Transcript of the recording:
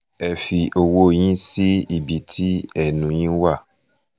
Ẹ fi owó yín sí ibi tí ẹnu yín wà.